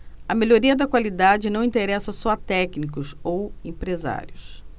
a melhoria da qualidade não interessa só a técnicos ou empresários